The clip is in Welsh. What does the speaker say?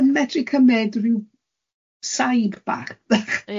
dach chi yn medru cymyd ryw saib bach .